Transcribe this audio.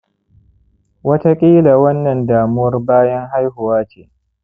wataƙila wannan damuwar bayan-haihuwa ce